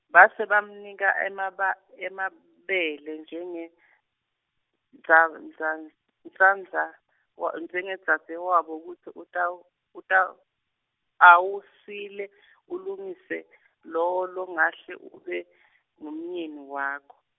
base bamnika emaba- emabele njenge dzandzan- -ndzandza wa- njengadzadzewabo kuts- -utaw -uta awasile alungisele lowo longahle ube ngumyeni wakhe.